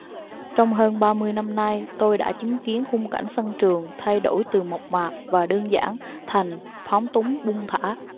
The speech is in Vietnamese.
trong hơn ba mươi năm nay tôi đã chứng kiến khung cảnh sân trường thay đổi từ mộc mạc và đơn giản thành phóng túng buông thả